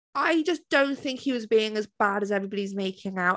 I just don't think he was being as bad as everybody's making out.